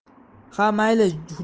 ha mayli xo'janing ham